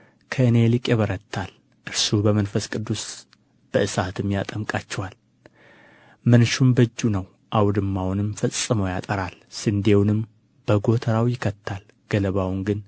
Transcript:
ከእኔ ይልቅ ይበረታል እርሱ በመንፈስ ቅዱስ በእሳትም ያጠምቃችኋል መንሹም በእጁ ነው አውድማውንም ፈጽሞ ያጠራል ስንዴውንም በጎተራው ይከታል ገለባውን ግን